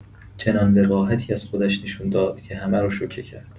چنان وقاحتی از خودش نشون داد که همه رو شوکه کرد.